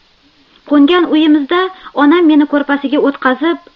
qo'ngan uyimizda onam meni ko'rpasiga o'tqazib